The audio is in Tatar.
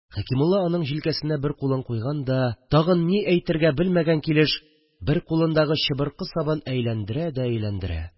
Хәкимулла аның җилкәсенә бер кулын куйган да, тагын ни әйтергә белмәгән килеш, бер кулындагы чыбыркы сабын әйләндерә дә әйләндерә